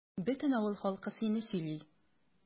Бөтен авыл халкы сине сөйли.